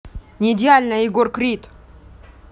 неидеальная егор крид